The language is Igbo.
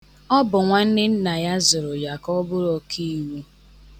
Ọ bụ nwanne nna ya zuru ya ka ọ bụrụ ọkiiwu.